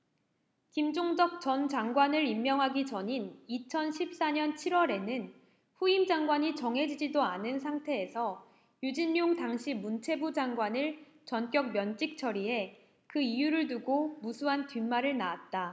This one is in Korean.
김종덕 전 장관을 임명하기 전인 이천 십 사 년 칠 월에는 후임 장관이 정해지지도 않은 상태에서 유진룡 당시 문체부 장관을 전격 면직 처리해 그 이유를 두고 무수한 뒷말을 낳았다